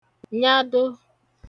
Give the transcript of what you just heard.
nyado